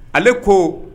Ale ko